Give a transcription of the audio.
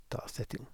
Da setter jeg i gang.